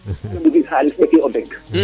*